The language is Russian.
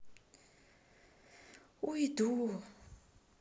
уйду